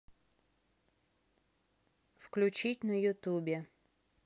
включить на ютубе